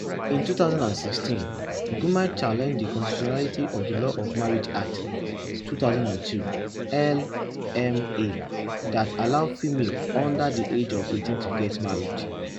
In 2016, Gyumi challenged the constitutionality of the Law of Marriage Act, 2002 (LMA) that allowed females under the age of 18 to get married.